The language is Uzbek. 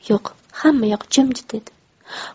yo'q hammayoq jimjit edi